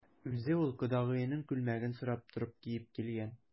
Үзе ул кодагыеның күлмәген сорап торып киеп килгән.